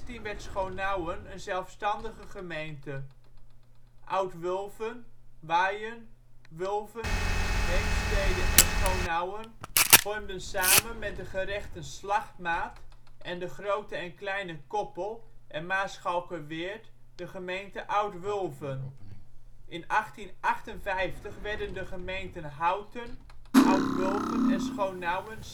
In 1816 werd Schonauwen een zelfstandige gemeente. Oud-Wulven, Waijen, Wulven, Heemstede en Schonauwen vormden samen met de gerechten Slachtmaat, de Grote en Kleine Koppel en Maarschalkerweerd de gemeente Oud-Wulven. In 1858 werden de gemeenten Houten, Oud-Wulven en Schonauwen